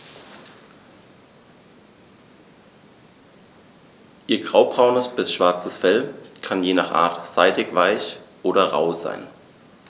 Ihr graubraunes bis schwarzes Fell kann je nach Art seidig-weich oder rau sein.